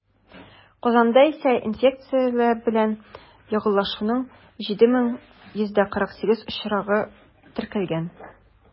Казанда исә инфекцияләр белән йогышлануның 7148 очрагы теркәлгән.